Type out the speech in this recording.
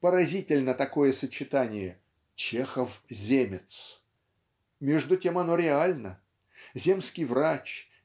Поразительно такое сочетание: Чехов-земец - между тем оно реально. Земский врач